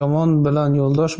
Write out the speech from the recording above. yomon bilan yo'ldosh